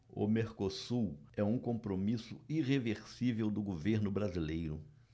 o mercosul é um compromisso irreversível do governo brasileiro